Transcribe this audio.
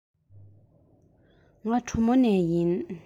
ང གྲོ མོ ནས ཡིན